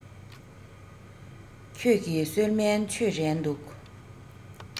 ཁྱེད ཀྱིས གསོལ སྨན མཆོད རན འདུག